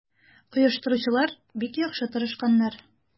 Оештыручылар бик яхшы тырышканнар.